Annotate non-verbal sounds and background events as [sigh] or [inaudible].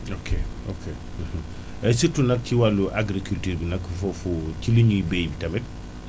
ok ok [hesitation] [hesitation] surtout nag ci wàllu agriculture bi nag foofu ci li ñuy béy tamit